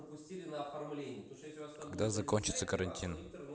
когда закончится карантин